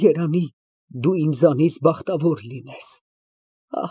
Երանի դու ինձանից բախտավոր լինես։